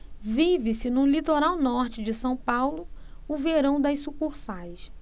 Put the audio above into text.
vive-se no litoral norte de são paulo o verão das sucursais